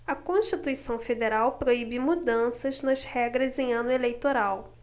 a constituição federal proíbe mudanças nas regras em ano eleitoral